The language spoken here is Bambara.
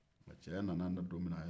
nka cɛya nana a la don min na